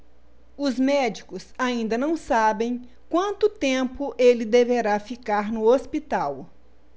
os médicos ainda não sabem quanto tempo ele deverá ficar no hospital